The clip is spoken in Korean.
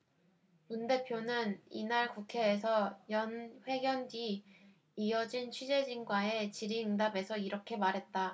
문 대표는 이날 국회에서 연 회견 뒤 이어진 취재진과의 질의응답에서 이렇게 말했다